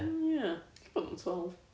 o ia, ella bod yn twelve.